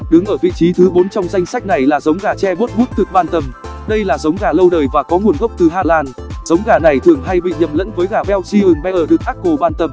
đứng ở vị trí thứ trong danh sách này là giống gà tre bốt booted bantam đây là giống gà lâu đời và có nguồn gốc từ hà lan giống gà này thường hay bị nhầm lẫn với gà belgian bearded d'uccle bantam